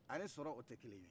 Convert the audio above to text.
ani sɔrɔ olu tɛ kelen ye